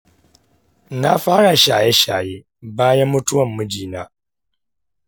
na fara shaye shaye bayan mutuwan mijina.